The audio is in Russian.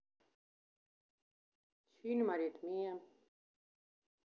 фильм аритмия